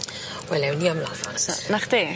Wel ewn ni am lafant. So 'na chdi.